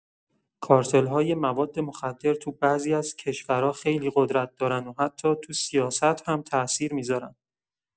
کارتل‌های مواد مخدر تو بعضی از کشورا خیلی قدرت دارن و حتی تو سیاست هم تاثیر می‌ذارن.